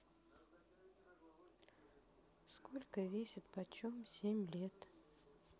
сколько весит почем семь лет